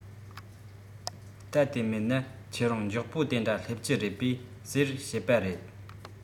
རྟ དེ མེད ན ཁྱེད རང མགྱོགས པོ དེ འདྲ སླེབས ཀྱི རེད པས ཟེར བཤད པ རེད